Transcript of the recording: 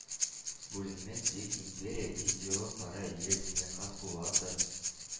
«бүленмәс бөек империя» идеологлары, ельцин, хасбулатов,